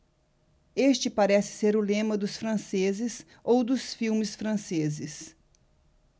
este parece ser o lema dos franceses ou dos filmes franceses